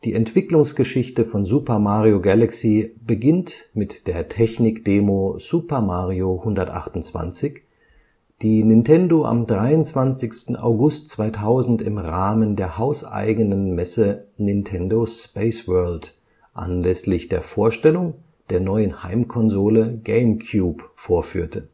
Entwicklungsgeschichte von Super Mario Galaxy beginnt mit der Technik-Demo Super Mario 128, die Nintendo am 23. August 2000 im Rahmen der hauseigenen Messe Nintendo Space World anlässlich der Vorstellung der neuen Heimkonsole GameCube vorführte